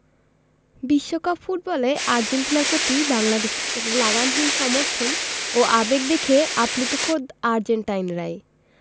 বিশ্বকাপ ফুটবলে আর্জেন্টিনার প্রতি বাংলাদেশিদের লাগামহীন সমর্থন ও আবেগ দেখে আপ্লুত খোদ আর্জেন্টাইনরাই